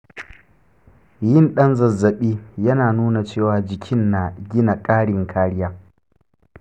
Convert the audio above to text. yin ɗan zazzaɓi yana nuna cewa jikin na gina ƙarin kariya.